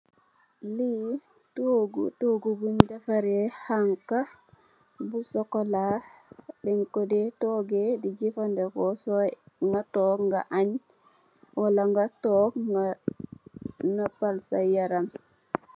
Le togu togu bung defare xanxa bu chocola den ko dey toge di jefendeko soi nak tog nag anng wala nga tog nga nopal sax yaram.